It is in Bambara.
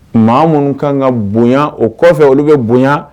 Maa minnu ka kan ka bonya o kɔfɛ olu bɛ bonya